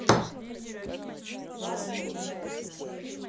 два ежика